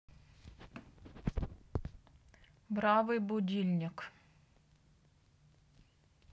бравый будильник